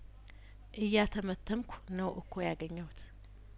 እያተመተምኩ ነው እኮ ያገኘሁት